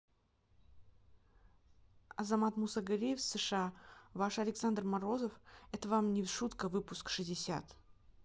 азамат мусагалиев сша ваш александр морозов это вам не шутка выпуск шестьдесят